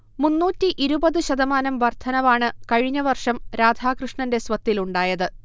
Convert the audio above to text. മുന്നൂറ്റി ഇരുപത് ശതമാനം വർദ്ധനവാണ് കഴിഞ്ഞ വർഷം രാധാകൃഷ്ണന്റെ സ്വത്തിലുണ്ടായത്